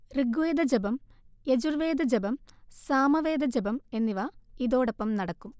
ഋഗ്വേദജപം, യജൂർവേദ ജപം, സാമവേദ ജപം എന്നിവ ഇതോടൊപ്പം നടക്കും